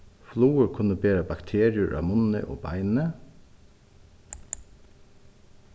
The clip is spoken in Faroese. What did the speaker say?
flugur kunnu bera bakteriur á munni og beini